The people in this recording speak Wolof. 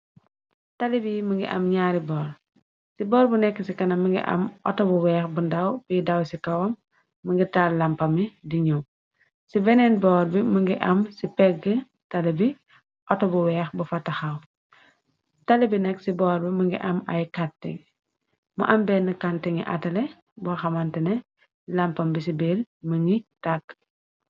talibi më ngi am ñaari boor ci boor bu nekk ci kana mëngi am autobu weex bu ndaw biy daw ci kawam më ngi taal lampa mi di ñu ci veneen boor bi më ngi am ci pegg tali bi auto bu weex bu fa taxaw tali bi nekk ci boor bi më ngi am ay kàtti mu am bénn kanti ngi atale bu xamantene lampam bi ci béel më ngi tàkk